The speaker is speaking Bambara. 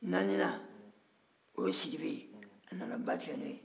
naanina o ye sidibe ye a nana ba tigɛ n'o ye